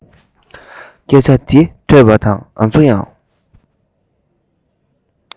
སྐད ཆ དེ ཐོས པ དང ང ཚོ ཡང